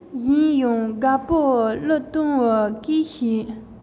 གཞན ཡང དགའ པོའི གླུ གཏོང བའི སྐད ཤེད